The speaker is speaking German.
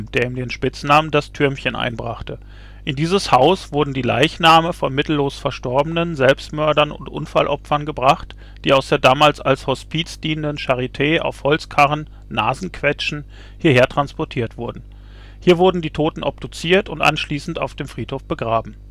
den Spitznamen „ Das Thürmchen “einbrachte. In dieses Haus wurden die Leichen von mittellos Verstorbenen, Selbstmördern und Unfallopfern gebracht, die aus der damals als Hospiz dienenden Charité auf Holzkarren (Nasenquetschen) hierher transportiert wurden. Hier wurden die Toten obduziert und anschließend auf dem Friedhof begraben